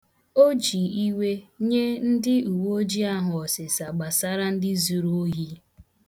O ji iwe nye ndị uweojii ahụ ọsịsa gbasara ndị zuru ohi.